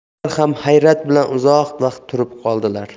ular ham hayrat bilan uzoq vaqt turib qoldilar